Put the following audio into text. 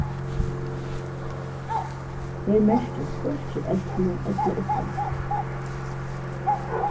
her merkist hvørki elli ella uppreistur